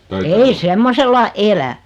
ei semmoisella elä